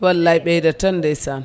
wallay ɓeydat tan ndeysan